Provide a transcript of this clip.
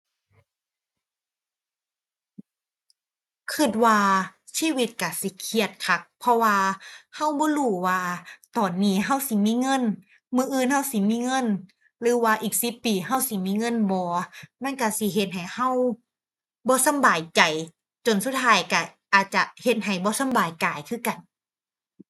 คิดว่าชีวิตคิดสิเครียดคัก เพราะว่าคิดบ่รู้ว่า ตอนนี้คิดสิมีเงิน มื้ออื่นคิดสิมีเงิน หรือว่าอีกสิบปีคิดสิมีเงินบ่ มันคิดสิเฮ็ดให้คิดบ่สำบายใจ จนสุดท้ายคิดอาจจะเฮ็ดให้บ่สำบายกายคือกัน